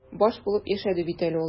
Баш булып яшәде бит әле ул.